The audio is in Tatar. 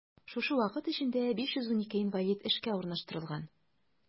Шушы вакыт эчендә 512 инвалид эшкә урнаштырылган.